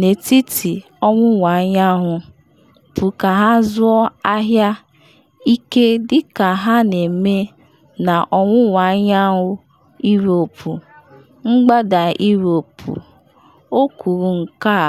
Middle East bụ ka ha zụọ ahịa ike dị ka ha na-eme na ọwụwa anyanwụ Europe, mgbada Europe,” o kwuru nke a.